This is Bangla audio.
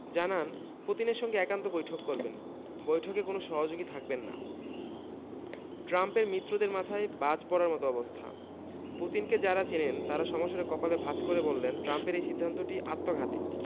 জানান পুতিনের সঙ্গে একান্ত বৈঠক করবেন বৈঠকে কোনো সহযোগী থাকবেন না ট্রাম্পের মিত্রদের মাথায় বাজ পড়ার মতো অবস্থা পুতিনকে যাঁরা চেনেন তাঁরা সমস্বরে কপাল ভাঁজ করে বললেন ট্রাম্পের এই সিদ্ধান্ত আত্মঘাতী